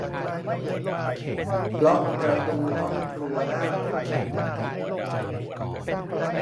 ล็อกประตูห้องครัวด้านหลัง